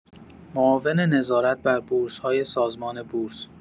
معاون نظارت بر بورس‌های سازمان بورس